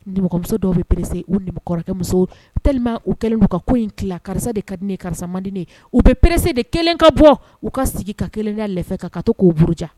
Nimɔgɔmuso dɔw bɛ presser u nimɔgɔ kɔrɔkɛ musow tellement u kɛlen de ka ko in tilan. Karisa de ka di ne ye karisa man di ne ye. U bɛ presser _ de 1 ka bɔ, u ka sigi ka kelen da lɛfɛ ka to k'o buruja